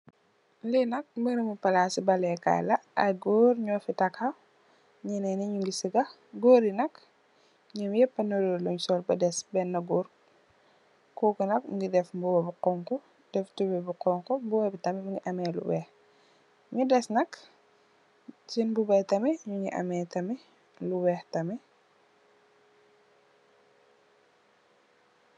li nak merem palaci football le kai la ay goor nyu fi taxaw nyenen yi nyugi sega goori nak nyum yepa nduru lun sol be des bena goor koku nak mogi def mbuba bu xonxu tubay bu xonxu mbuba tamit mogi ame lu weex nyu des nak sen mbubai tamit lu weex tamit